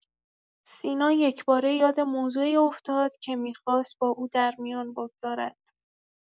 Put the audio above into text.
سینا یکباره یاد موضوعی افتاد که می‌خواست با او درمیان بگذارد.